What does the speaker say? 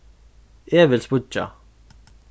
eg vil spýggja